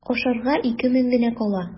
Ашарга ике мең генә кала.